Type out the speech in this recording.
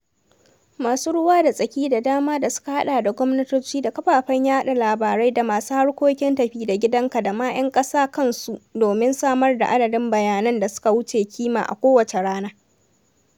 Masu ruwa da tsaki da dama da suka haɗa da gwamnatoci da kafafen yaɗa labarai da masu harkokin tafi da gidanka da ma 'yan ƙasa kansu sun miqe tsaye domin samar da adadin bayanan da suka wuce kima a kowacce rana.